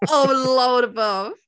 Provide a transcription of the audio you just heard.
Oh lord above!